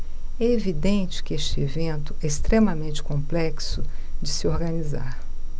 é evidente que este evento é extremamente complexo de se organizar